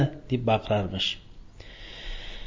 deb baqirarmish